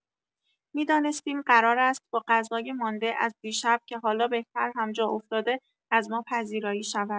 می‌دانستیم قرار است با غذای مانده از دیشب که حالا بهتر هم جا افتاده از ما پذیرایی شود.